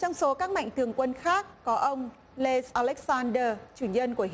trong số các mạnh thường quân khác có ông lê a lếch san đơ chủ nhân của